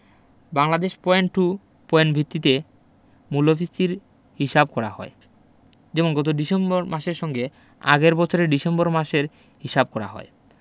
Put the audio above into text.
বাংলাদেশে point to point ভিত্তিতে মূল্যস্ফীতির হিসাব করা হয় যেমন গত ডিসেম্বর মাসের সঙ্গে আগের বছরের ডিসেম্বর মাসের হিসাব করা হয়